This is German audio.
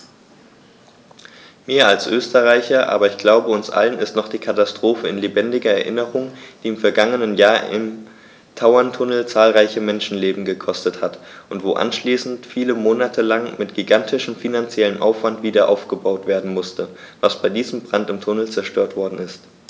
Mir als Österreicher, aber ich glaube, uns allen ist noch die Katastrophe in lebendiger Erinnerung, die im vergangenen Jahr im Tauerntunnel zahlreiche Menschenleben gekostet hat und wo anschließend viele Monate lang mit gigantischem finanziellem Aufwand wiederaufgebaut werden musste, was bei diesem Brand im Tunnel zerstört worden ist.